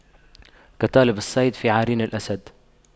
كطالب الصيد في عرين الأسد